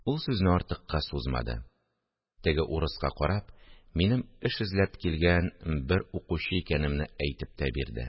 Ул сүзне артыкка сузмады: теге урыска карап, минем эш эзләп килгән бер укучы икәнемне әйтеп тә бирде